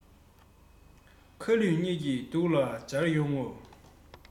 ཁ ལུས གཉིས ཀྱིས སྡུག ལ སྦྱར ཡོང ངོ